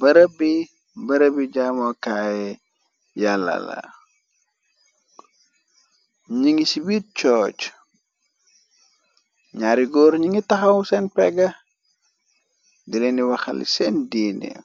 Bërab bi bërab bi jaamokaaye yàlla la nyu ngi ci birr chorch ñaari góor ñyu ngi taxaw seen pehgah dileeni waxali seen diineh